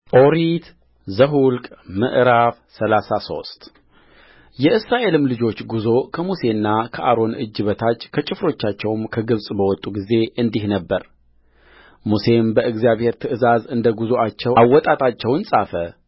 ኦሪት ዘኍልቍ ምዕራፍ ሰላሳ ሶስት የእስራኤልም ልጆች ጕዞ ከሙሴና ከአሮን እጅ በታች በጭፍሮቻቸው ከግብፅ በወጡ ጊዜ እንዲህ ነበረሙሴም በእግዚአብሔር ትእዛዝ እንደ ጕዞአቸው